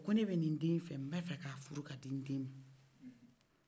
o cɛ b'a fɔ ko ne bɛ ni den fɛ m'b'a fɛ ka furu ka di n'den ma